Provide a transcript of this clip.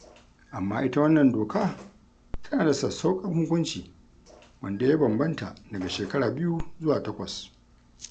Amma ita wannan doka tana da sassauƙan hukunci, wanda ya bambanta daga shekaru biyu zuwa takwas.